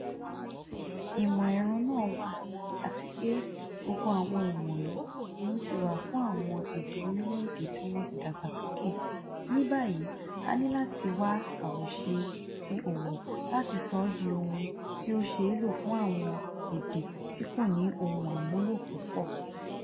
Ìmọ̀ ẹ̀rọ náà wà àti pé gbogbo àwọn ìwọ̀nyí ni ó ti wà fún àwọn èdè orílẹ̀ èdè tí wọ́n ti dàgbà sókè, ní báyìí a ní láti wá àwòṣe ti òwò láti sọ ọ́ dí ohun tí ó ṣeé lò fún àwọn èdè tí kò ní ohun àmúlò púpọ̀.